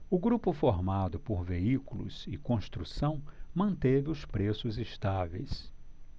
o grupo formado por veículos e construção manteve os preços estáveis